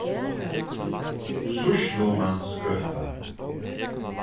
sýslumansgøta